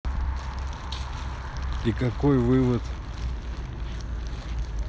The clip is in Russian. и какой вывод